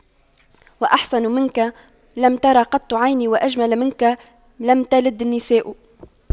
وأحسن منك لم تر قط عيني وأجمل منك لم تلد النساء